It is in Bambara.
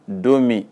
Don min